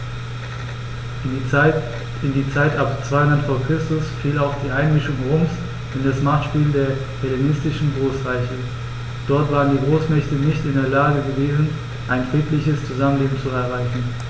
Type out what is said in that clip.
In die Zeit ab 200 v. Chr. fiel auch die Einmischung Roms in das Machtspiel der hellenistischen Großreiche: Dort waren die Großmächte nicht in der Lage gewesen, ein friedliches Zusammenleben zu erreichen.